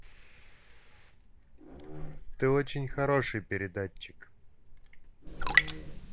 ты очень хороший передатчик